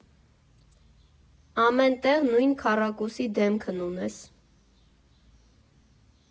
Ամեն տեղ նույն քառակուսի դեմքն ունես։